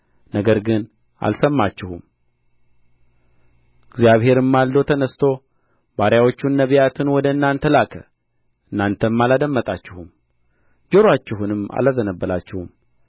ነገር ግን አልሰማችሁም እግዚአብሔርም ማልዶ ተነሥቶ ባሪያዎቹን ነቢያትን ወደ እናንተ ላከ እናንተም አላደመጣችሁም ጆሮአችሁንም አላዘነበላችሁም